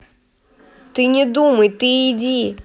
ты не думай ты иди